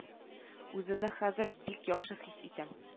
Үземне хәзер бик яхшы хис итәм